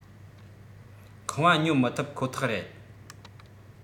ཁང བ ཉོ མི ཐུབ ཁོ ཐག རེད